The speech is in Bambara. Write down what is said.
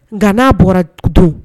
Nka n'a bɔra dun